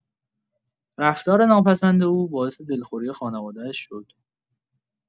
رفتار ناپسند او باعث دلخوری خانواده‌اش شد.